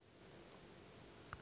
комментаторы ругаются матом